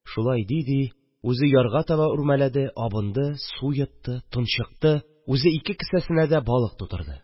Шулай ди-ди үзе ярга таба үрмәләде, абынды, су йотты, тончыкты, үзе ике кесәсенә дә балык тутырды